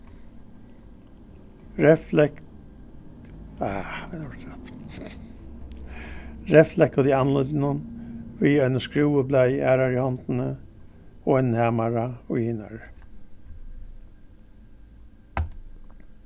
reyðflekkut í andlitinum við einum skrúvublaði í aðrari hondini og einum hamara í hinari